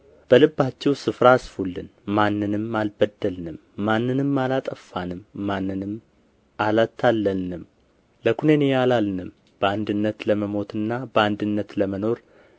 በልባችሁ ስፍራ አስፉልን ማንንም አልበደልንም ማንንም አላጠፋንም ማንንም አላታለልንም ለኵነኔ አልልም በአንድነት ለመሞትና በአንድነት ለመኖር